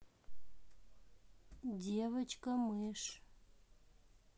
девочка мышь